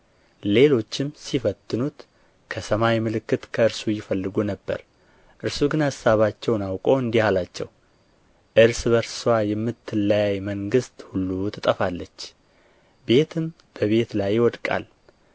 ሌሎችም ሲፈትኑት ከሰማይ ምልክት ከእርሱ ይፈልጉ ነበር እርሱ ግን አሳባቸውን አውቆ እንዲህ አላቸው እርስ በርስዋ የምትለያይ መንግሥት ሁሉ ትጠፋለች ቤትም በቤት ላይ ይወድቃል